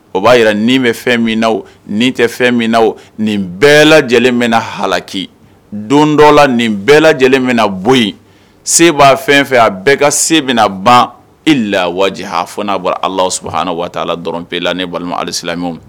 O b'a jira ni bɛ fɛn min na ni tɛ fɛn min na o nin bɛɛ lajɛlen bɛ haki don dɔ la nin bɛɛ lajɛlen bɛ boli se b'a fɛn fɛ a bɛɛ ka se bɛna ban i la waati ha n'a bɔra alaha waati ala dɔrɔn pela ne balima alasila min